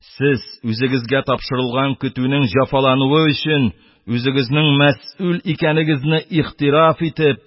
Сез үзегезгә тапшырылган көтүнең җәфалануы өчен үзегезнең мәсьүл икәнлегегезне игътираф итеп,